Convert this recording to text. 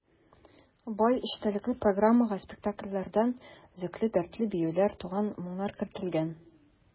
Бай эчтәлекле программага спектакльләрдән өзекләр, дәртле биюләр, туган моңнар кертелгән.